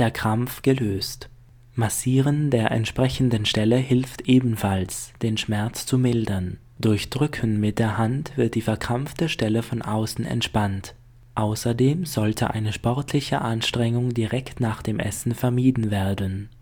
Krampf gelöst. Massieren der entsprechenden Stelle hilft ebenfalls, den Schmerz zu mildern. Durch Drücken mit der Hand wird die verkrampfte Stelle von außen entspannt. Außerdem sollte eine sportliche Anstrengung direkt nach dem Essen vermieden werden